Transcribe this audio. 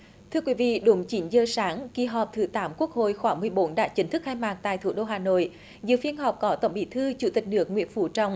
thưa quý vị đúng chín giờ sáng kỳ họp thứ tám quốc hội khóa mười bốn đã chính thức khai mạc tại thủ đô hà nội dự phiên họp có tổng bí thư chủ tịch nước nguyễn phú trọng